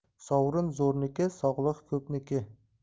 sovrin zo'miki sog'liq ko'pniki